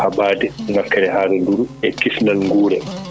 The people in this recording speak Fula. haɓaade ŋakkere haaranduru e kisnal guura